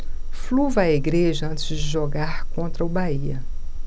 flu vai à igreja antes de jogar contra o bahia